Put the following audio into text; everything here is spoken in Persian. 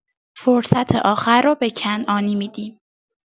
فرصت آخر رو به کنعانی می‌دیم.